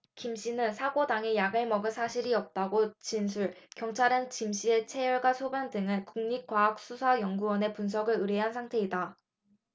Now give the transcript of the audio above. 김씨는 사고 당일 약을 먹은 사실이 없다고 진술 경찰은 김씨의 채혈과 소변 등을 국립과학수사연구원에 분석을 의뢰한 상태이다